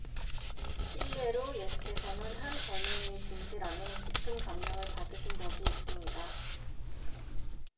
일례로 예수께서는 한 젊은이의 진실함에 깊은 감명을 받으신 적이 있습니다